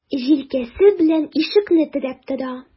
Җилкәсе белән ишекне терәп тора.